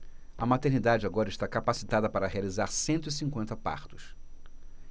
a maternidade agora está capacitada para realizar cento e cinquenta partos